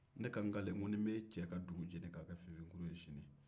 ne ka n kale n ko ni m'e cɛ ka dugu jeni k'a kɛ finfinkuru ye sini